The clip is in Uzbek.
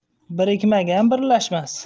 birikmagan birlashmas